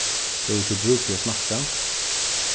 hevur tú brúk fyri at snakka